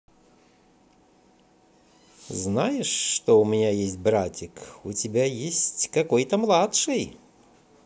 знаешь что у меня есть братик у тебя есть какой то младший